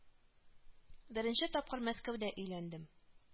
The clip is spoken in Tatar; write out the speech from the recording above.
Беренче тапкыр Мәскәүдә өйләндем